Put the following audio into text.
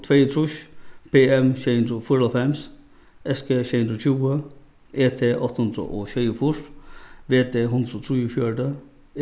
tveyogtrýss b m sjey hundrað og fýraoghálvfems s g sjey hundrað og tjúgu e t átta hundrað og sjeyogfýrs v d hundrað og trýogfjøruti